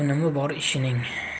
unumi bor ishining